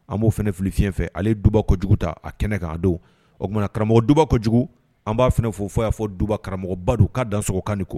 An b'o fana fili fiyfɛ ale ye dubako kojugu ta a kɛnɛ kan don o tumaumana karamɔgɔ dubako kojugu jugu an b'a f fɔ fɔ y'a fɔ duba karamɔgɔbadu ka da sogoɔgɔkan kɔ